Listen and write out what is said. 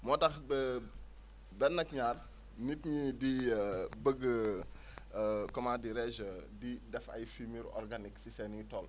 moo tax ba benn ak ñaar nit ñi di bëgg coment dirais je di def ay fumiers organiques si seen tool